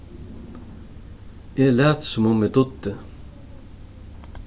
eg læt sum um eg dugdi